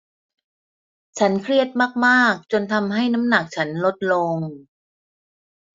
ฉันเครียดมากมากจนทำให้น้ำหนักฉันลดลง